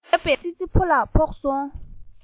བརྒྱབ པའི འགྲམ ལྕག ཙི ཙི ཕོ ལ ཕོག སོང